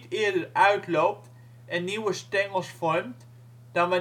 eerder uitloopt en nieuwe stengels vormt dan